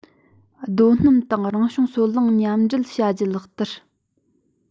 རྡོ སྣུམ དང རང བྱུང སོལ རླངས མཉམ སྤེལ བྱ རྒྱུ ལག བསྟར